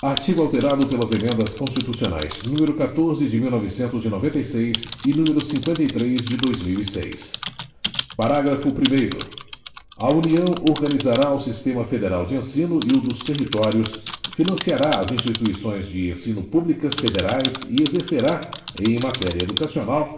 artigo alterado pelas emendas constitucionais número catorze de mil novecentos e noventa e seis e número cinqüenta e três de dois mil e seis parágrafo primeiro a união organizará o sistema federal de ensino e o dos territórios financiará as instituições de ensino públicas federais e exercerá em matéria educacional